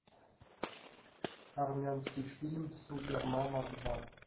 армянский фильм супер мама два